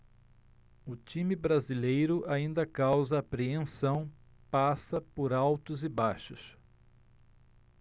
o time brasileiro ainda causa apreensão passa por altos e baixos